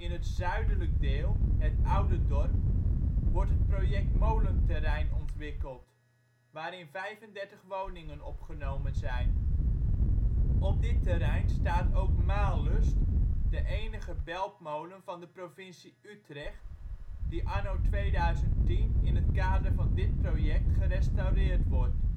het zuidelijk deel (het oude dorp) wordt het project Molenterrein ontwikeld, waarin 35 woningen opgenomen zijn. Op dit terrein staat ook " Maallust ", de enige beltmolen van de Provincie Utrecht, die anno 2010 in het kader van dit project gerestaureerd wordt